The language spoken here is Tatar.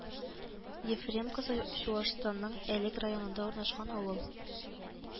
Ефремкасы Чуашстанның Әлек районында урнашкан авыл